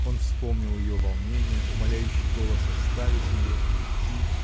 Он вспомнил ее волнение, умоляющий голос оставить ее, уйти